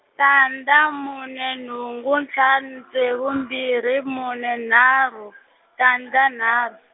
tandza mune nhungu ntlhanu ntsevu mbirhi mune nharhu, tandza nharhu.